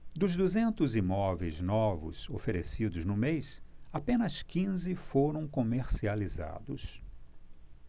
dos duzentos imóveis novos oferecidos no mês apenas quinze foram comercializados